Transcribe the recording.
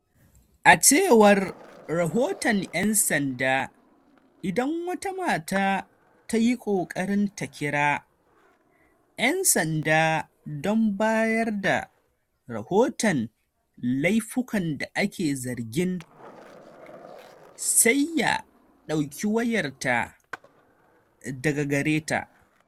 A cewar rahoton 'yan sanda, idan wata mata tayi kokarin ta kira' yan sanda don bayar da rahoton laifukan da ake zargin, sai ya dauki wayarta daga gareta